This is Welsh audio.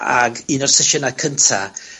...ag un o'r sesiynia cynta